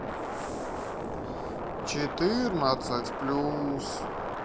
четырнадцать плюс